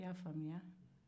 i y'a faamuya